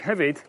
ac hefyd